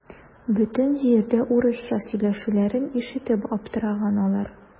Бөтен җирдә урысча сөйләшүләрен ишетеп аптыраган алар.